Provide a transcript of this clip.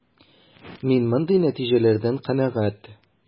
Мин мондый нәтиҗәләрдән канәгать.